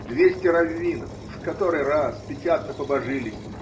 Двести раввинов (в который раз) печатно побожились.